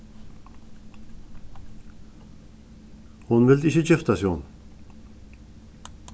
hon vildi ikki giftast við honum